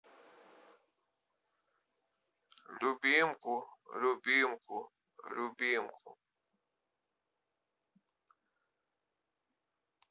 любимку любимку любимку